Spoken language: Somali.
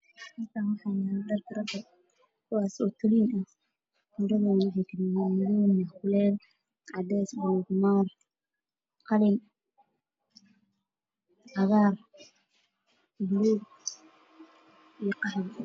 Ii muuqdo iska faallo ay saaran yihiin xigaabo cadayys madow caddaan qaxwi